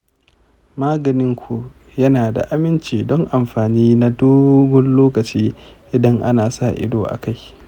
maganin ku yana da aminci don amfani na dogon lokaci idan ana sa ido akai.